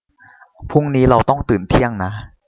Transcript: พรุ่งนี้เราต้องตื่นเที่ยงนะ